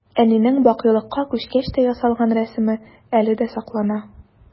Әнинең бакыйлыкка күчкәч тә ясалган рәсеме әле дә саклана.